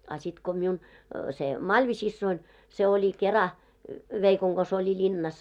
a sitten kun minun se Malvi-siskoni se oli kerran veikon kanssa oli linnassa